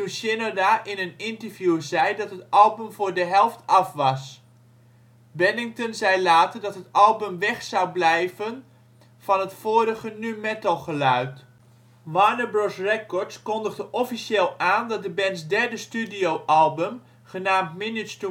Shinoda in een interview zei dat het album voor de helft af was. Bennington zei later dat het album weg zou blijven van het vorige nu-metalgeluid. Warner Bros. Records kondigde officieel aan dat de bands derde studioalbum, genaamd Minutes